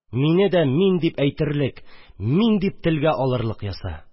Мине дә «мин» дип әйтерлек, «мин» дип телгә алырлык яса